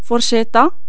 فورشيطة